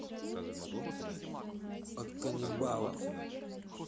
от каннибалов